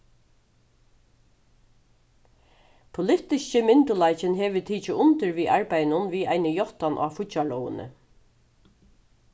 politiski myndugleikin hevur tikið undir við arbeiðinum við eini játtan á fíggjarlógini